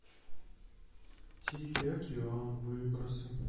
тихий океан выбросы